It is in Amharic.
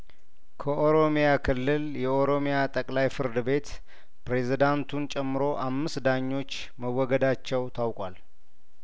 ከኦሮሚያ ክልል የኦሮሚያ ጠቅላይ ፍርድ ቤት ፕሬዝዳንቱን ጨምሮ አምስት ዳኞች መወገዳቸው ታውቋል